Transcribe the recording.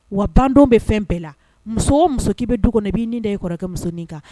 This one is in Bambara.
Wa bandenw bɛ fɛn bɛɛ la musow muso k'i bɛ du kɔnɔ b'i de ye kɔrɔkɛ musonin kan